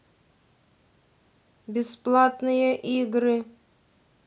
бесплатные игры